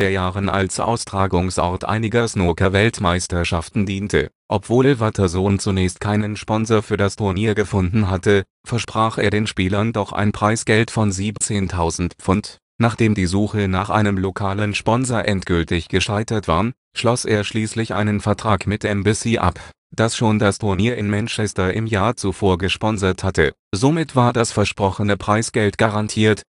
Jahren als Austragungsort einiger Snookerweltmeisterschaften diente. Obwohl Watterson zunächst keinen Sponsor für das Turnier gefunden hatte, versprach er den Spielern doch ein Preisgeld von 17.000 £. Nachdem die Suche nach einem lokalen Sponsor endgültig gescheitert war, schloss er schließlich einen Vertrag mit Embassy ab, das schon das Turnier in Manchester im Jahr zuvor gesponsert hatte. Somit war das versprochene Preisgeld garantiert